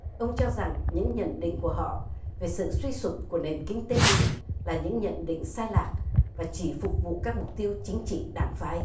ông cho rằng những nhận định của họ về sự suy sụp của nền kinh tế mỹ là những nhận định sai lạc và chỉ phục vụ các mục tiêu chính trị đảng phái